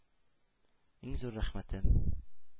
Иң зур рәхмәтем –